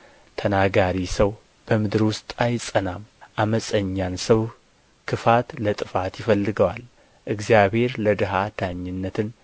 ተናጋሪ ሰው በምድር ውስጥ አይጸናም ዓመፀኛን ሰው ክፋት ለጥፋት ይፈልገዋል እግዚአብሔር ለድሀ ዳኝነትን